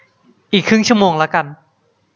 อีกครึ่งชั่วโมงละกัน